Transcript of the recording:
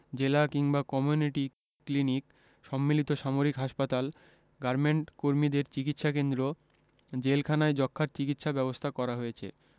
জেলা কিংবা community clinic সম্মিলিত সামরিক হাসপাতাল গার্মেন্টকর্মীদের চিকিৎসাকেন্দ্র জেলখানায় যক্ষ্মার চিকিৎসা ব্যবস্থা করা হয়েছে